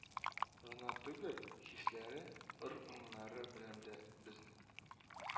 Генә түгел, хисләре, ыр-моңнары белән дә безнең